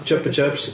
Chuppa chups.